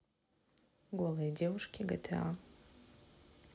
голые девушки гта